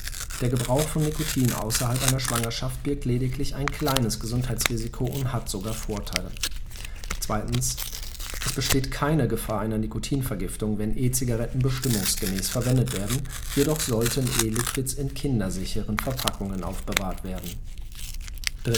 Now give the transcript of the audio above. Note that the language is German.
Der Gebrauch von Nikotin, außerhalb einer Schwangerschaft, birgt lediglich ein kleines Gesundheitsrisiko und hat sogar Vorteile. Es besteht keine Gefahr einer Nikotinvergiftung, wenn E-Zigaretten bestimmungsgemäß verwendet werden, jedoch sollten E-Liquids in " kindersicheren " Verpackungen aufbewahrt werden. Die